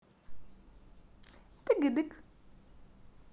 тыгыдык